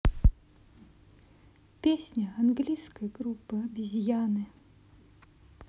песня английской группы обезьяны